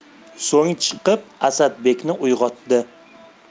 so'ng chiqib asadbekni uyg'otdi